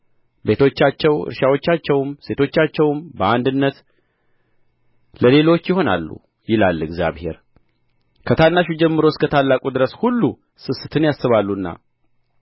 ቤቶቻቸው እርሻዎቻቸውም ሴቶቻቸውም በአንድነት ለሌሎች ይሆናሉ ይላል እግዚአብሔር ከታናሹ ጀምሮ እስከ ታላቁ ድረስ ሁሉ ስስትን ያስባሉና